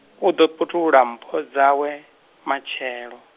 u ḓo putulula mpho dzawe, matshelo.